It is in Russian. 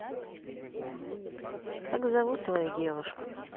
как зовут твою девушку